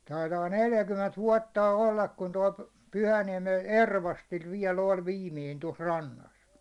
taitaa neljäkymmentä vuotta olla kun tuo Pyhäniemen Ervastilla vielä oli viimeinen tuossa rannassa